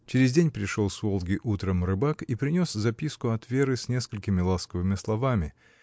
Через день пришел с Волги утром рыбак и принес записку от Веры с несколькими ласковыми словами.